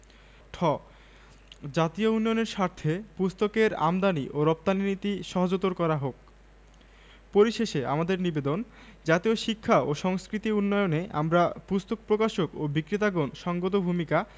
ঠ জাতীয় উন্নয়নের স্বার্থে পুস্তকের আমদানী ও রপ্তানী নীতি সহজতর করা হোক পরিশেষে আমাদের নিবেদন জাতীয় শিক্ষা ও সংস্কৃতি উন্নয়নে আমরা পুস্তক প্রকাশক ও বিক্রেতাগণ সঙ্গত ভূমিকা